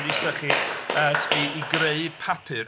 Wedi sychu yy t- i greu papur.